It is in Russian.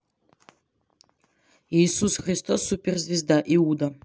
иисус христос суперзвезда иуда